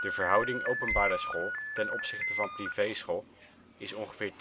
verhouding openbare school ten opzichte van privéschool is ongeveer